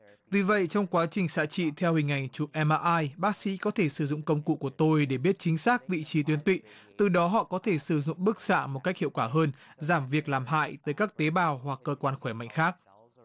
vì vậy trong quá trình xạ trị theo hình ảnh chụp em a ai bác sĩ có thể sử dụng công cụ của tôi để biết chính xác vị trí tuyến tụy từ đó họ có thể sử dụng bức xạ một cách hiệu quả hơn giảm việc làm hại tới các tế bào hoặc cơ quan khỏe mạnh khác